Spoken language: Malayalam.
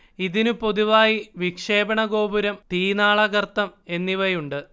ഇതിനു പൊതുവായി വിക്ഷേപണ ഗോപുരം തീനാളഗർത്തം എന്നിവയുണ്ട്